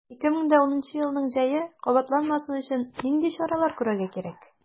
2010 елның җәе кабатланмасын өчен нинди чаралар күрергә кирәк?